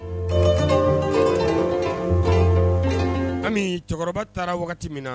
Ami cɛkɔrɔba taara wagati min na